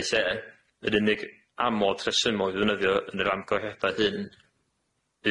eu lle yr unig amod rhesymol i ddefnyddio yn yr amgychiada hyn